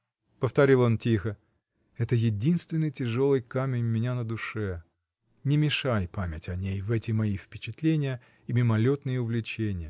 — повторил он тихо, — это единственный, тяжелый камень у меня на душе — не мешай память о ней в эти мои впечатления и мимолетные увлечения.